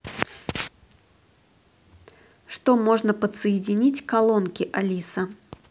что можно подсоединить к колонке алиса